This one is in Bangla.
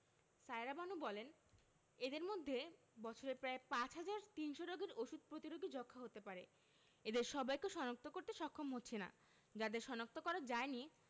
সায়েরা বানু বলেন এদের মধ্যে বছরে প্রায় ৫ হাজার ৩০০ রোগীর ওষুধ প্রতিরোধী যক্ষ্মা হতে পারে এদের সবাইকে শনাক্ত করতে সক্ষম হচ্ছি না যাদের শনাক্ত করা যায়নি